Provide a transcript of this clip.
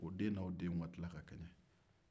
o den n'aw den ka tila ka kɛɲɛ